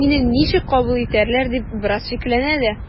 “мине ничек кабул итәрләр” дип бераз шикләнә дә.